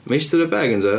Meistr y be' gen ti?